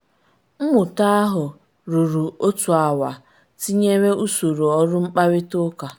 Mmụta ahụ ruru otu awa tinyere usoro ọrụ mkparịta ụka.